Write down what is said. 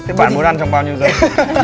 thế bạn muốn ăn trong bao nhiêu giây